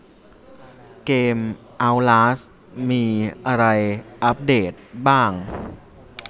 เกมเอ้าลาสมีอะไรอัปเดตบ้าง